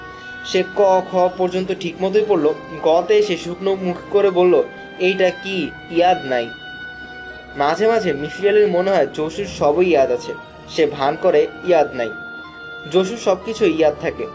সে ক খ পর্যন্ত ঠিকমতােই পড়ল গ তে এসে শুকনা মুখ করে বলল এইটা কী ইয়াদ নাই মাঝে মাঝে মিসির আলির মনে হয় জসুর সবই ইয়াদ আছে সে ভান করে ইয়াদ নাই জসুর সবকিছুই ইয়াদ থাকে